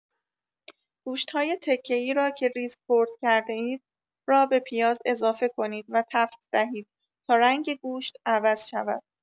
گوشت‌های تکه‌ای را که ریز خرد کرده‌اید را به پیاز اضافه کنید و تفت دهید تا رنگ گوشت عوض شود.